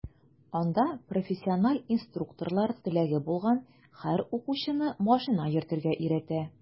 Анда профессиональ инструкторлар теләге булган һәр укучыны машина йөртергә өйрәтә.